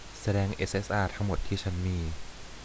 แสดงเอสเอสอาทั้งหมดที่ฉันมี